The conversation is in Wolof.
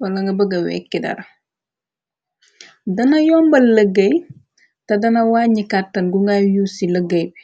wala nga bëga wekki dara dana yombal lëggéy te dana wàññi kàttal gu ngay yuus ci lëggéy bi.